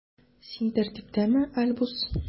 Син тәртиптәме, Альбус?